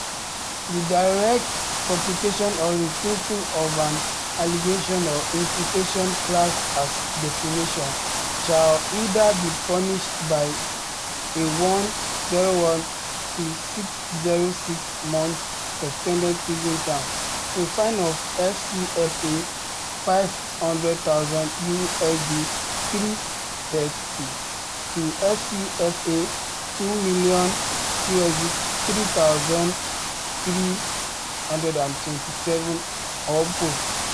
The direct publication or reprinting of an allegation or imputation classed as defamation, shall either be punished by a one (01) to six (06) months suspended prison term, a fine of FCFA 500,000 (USD 830) to FCFA 2,000,000 (USD 3,327), or both.